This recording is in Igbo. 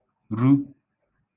ru